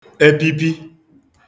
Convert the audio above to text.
ẹpipi